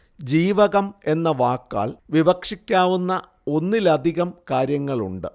ജീവകം എന്ന വാക്കാല്‍ വിവക്ഷിക്കാവുന്ന ഒന്നിലധികം കാര്യങ്ങളുണ്ട്